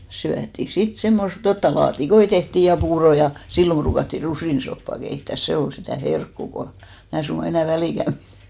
syötiin sitten semmoista jotakin laatikoita tehtiin ja puuroa ja silloin ruukattiin rusinasoppaa keittää se oli sitä herkkua kun minä suinkaan enää väliäkään pidä